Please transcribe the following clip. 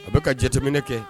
A bɛka ka jateminɛ kɛ